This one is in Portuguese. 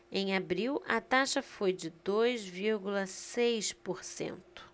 em abril a taxa foi de dois vírgula seis por cento